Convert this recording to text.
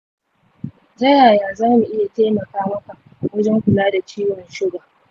ta yaya za mu iya taimaka maka wajen kula da ciwon suga?